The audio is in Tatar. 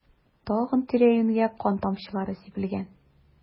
Тагын тирә-юньгә кан тамчылары сибелгән.